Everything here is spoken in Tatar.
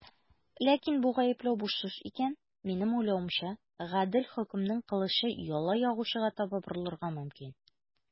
Ләкин бу гаепләү буш сүз икән, минем уйлавымча, гадел хөкемнең кылычы яла ягучыга таба борылырга мөмкин.